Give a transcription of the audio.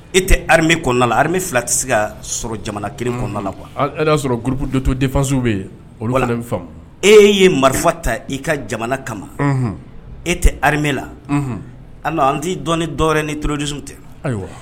E tɛ kɔnɔnamɛ fila tɛ se ka sɔrɔ jamana kelen kɔnɔna qu y'a sɔrɔ gku donto defasiw bɛ e' ye marifa ta i ka jamana kama e tɛ ha la an' an t'i dɔni dɔwɛrɛ ni toroj tɛ ayiwa